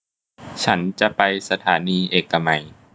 ฉันจะไปสถานีเอกมัย